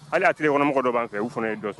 Hali y a tigi kɔnɔmɔgɔ b'a kɛ u fana ye dɔ